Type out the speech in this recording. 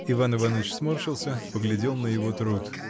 Иван Иваныч сморщился, поглядев на его труд.